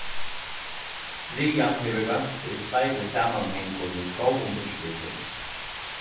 brian hevur roynt seg í fleiri samanhangum við góðum úrslitum